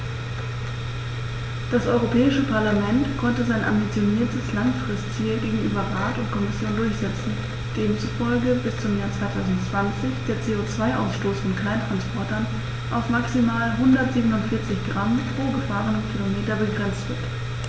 Das Europäische Parlament konnte sein ambitioniertes Langfristziel gegenüber Rat und Kommission durchsetzen, demzufolge bis zum Jahr 2020 der CO2-Ausstoß von Kleinsttransportern auf maximal 147 Gramm pro gefahrenem Kilometer begrenzt wird.